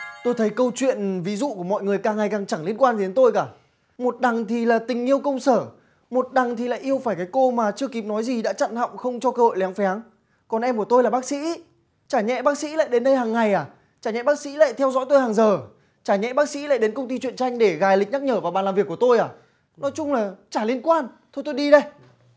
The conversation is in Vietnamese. tôi thấy câu chuyện ví dụ mọi người càng ngày càng chẳng liên quan đến tôi cả một đằng thì là tình yêu công sở một đằng thì lại yêu phải cô mà chưa kịp nói gì đã chặn họng không cho cơ hội léng phéng còn em của tôi là bác sĩ chả nhẽ bác sĩ lại đến đây hằng ngày à chẳng nhẽ bác sĩ lại theo dõi tôi hàng giờ chả nhẽ bác sĩ lại đến công ty truyện tranh để gài lịch nhắc nhở vào bàn làm việc của tôi à nói chung là chả liên quan thôi tôi đi đây